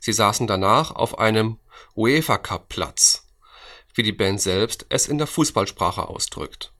Sie saßen danach auf einem „ UEFA-Cup-Platz “, wie die Band es selbst in der Fußballsprache ausdrückt